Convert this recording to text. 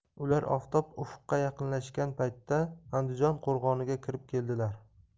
ular oftob ufqqa yaqinlashgan paytda andijon qo'rg'oniga kirib keldilar